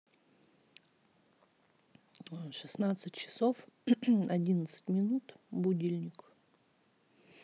шестнадцать часов одиннадцать минут будильник